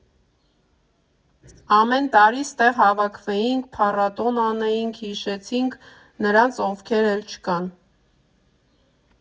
Ամեն տարի ստեղ հավաքվեինք, փառատոն անեինք, հիշեցինք նրանց, ովքեր էլ չկան։